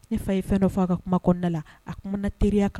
Ne fa ye fɛn dɔ fɔ a ka kuma kɔɔna la a kumana teriya kan